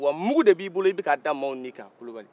wa mugu de bɛ i bolo i bɛ k'a da mɔgɔw nin kan